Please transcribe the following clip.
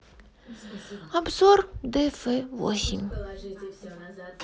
обзор дф восемь